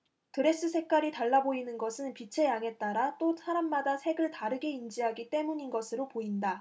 드레스 색깔이 달라 보이는 것은 빛의 양에 따라 또 사람마다 색을 다르게 인지하기 때문인 것으로 보인다